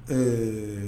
Ɛɛ